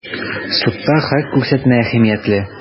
Судта һәр күрсәтмә әһәмиятле.